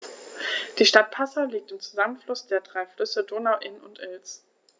Die Stadt Passau liegt am Zusammenfluss der drei Flüsse Donau, Inn und Ilz.